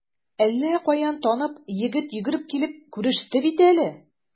Әллә каян танып, егет йөгереп килеп күреште бит әле.